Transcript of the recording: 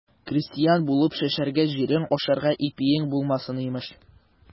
Крестьян булып, чәчәргә җирең, ашарга ипиең булмасын, имеш.